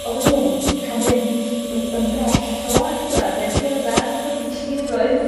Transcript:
o'ddyn nhw'n ca'l mynd yn yn bell o adra 'de cerddad d'ch'od milltiroedd